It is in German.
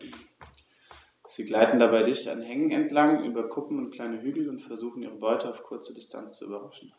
Sie gleiten dabei dicht an Hängen entlang, über Kuppen und kleine Hügel und versuchen ihre Beute auf kurze Distanz zu überraschen.